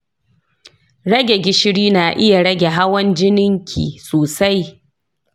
rage gishiri na iya rage hawan jininki sosai.